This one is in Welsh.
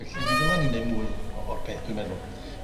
Felly mi ddylan ni neud mwy o- o'r peth dwi'n meddwl.